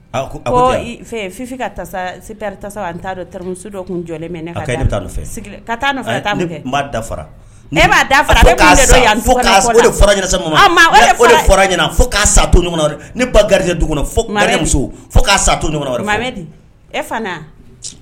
Fimuso tun jɔlen ne dafa ɲɛna fo ba gari